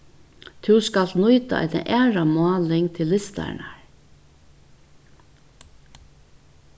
tú skalt nýta eina aðra máling til listarnar